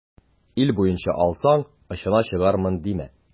Ил буенча алсаң, очына чыгармын димә.